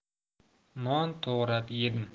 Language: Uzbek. non to'g'rab yedim